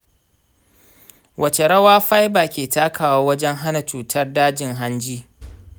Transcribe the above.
wace rawa fiber ke takawa wajen hana cutar dajin hanji?